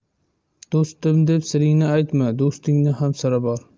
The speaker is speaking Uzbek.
do'stim deb siringni aytma do'stingning ham siri bor